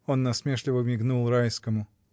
Он насмешливо мигнул Райскому.